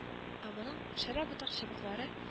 Ә моның шәрә ботак-чыбыклары